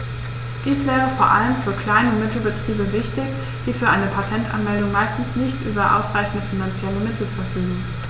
Dies wäre vor allem für Klein- und Mittelbetriebe wichtig, die für eine Patentanmeldung meistens nicht über ausreichende finanzielle Mittel verfügen.